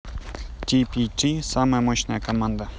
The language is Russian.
t p t самая мощная команда